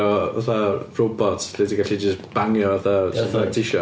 o fatha robots lle ti'n gallu just bangio fatha fo sut bynnag ti isio.